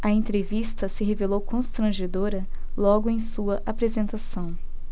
a entrevista se revelou constrangedora logo em sua apresentação